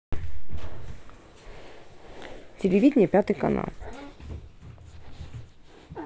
телевидение пятый канал